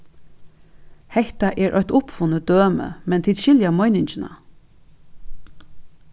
hetta er eitt uppfunnið dømi men tit skilja meiningina